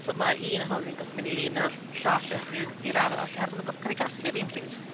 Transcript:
So ma' un ohonon ni'n gorfod mynd i un, a'r llall i'r i'r arall, oherwydd maen nhw'n gorfod cael eu casglu yr un pryd... Ie.